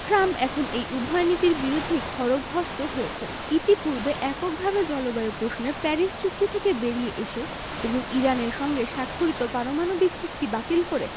Trump এখন এই উভয় নীতির বিরুদ্ধেই খড়গহস্ত হয়েছেন ইতিপূর্বে এককভাবে জলবায়ু প্রশ্নে প্যারিস চুক্তি থেকে বেরিয়ে এসে এবং ইরানের সঙ্গে স্বাক্ষরিত পারমাণবিক চুক্তি বাতিল করে